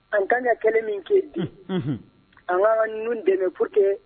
An ka ka kɛ min kɛ an ka ka ninnu dɛmɛ foyi tɛ